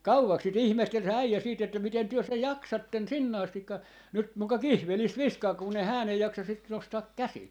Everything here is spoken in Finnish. kauaksi sitä ihmetteli se äijä sitten että miten te sen jaksatte sinne asti nyt muka kihvelissä viskaa kun ei hän ei jaksa sitä nostaa käsillä